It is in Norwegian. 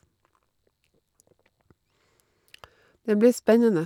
Det blir spennende.